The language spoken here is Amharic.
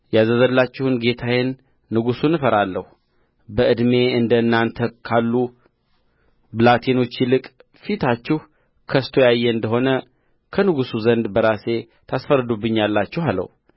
ያዘዘላችሁን ጌታዬን ንጉሡን እፈራለሁ በዕድሜ እንደ እናንተ ካሉ ብላቴኖች ይልቅ ፊታችሁ ከስቶ ያየ እንደ ሆነ ከንጉሡ ዘንድ በራሴ ታስፈርዱብኛላችሁ አለው